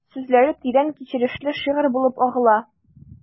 Сүзләре тирән кичерешле шигырь булып агыла...